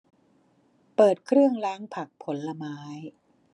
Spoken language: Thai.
เปิดเครื่องล้างผักผลไม้